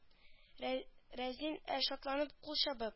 Рәзин ә шатланып кул чабып